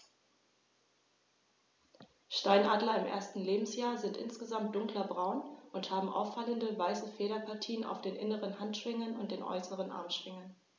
Steinadler im ersten Lebensjahr sind insgesamt dunkler braun und haben auffallende, weiße Federpartien auf den inneren Handschwingen und den äußeren Armschwingen.